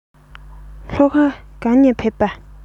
ལྷོ ཁ ག ནས ཕེབས པ